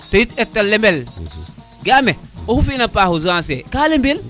teyit ete lemel ga a me o fina paxu Zancier ka leɓel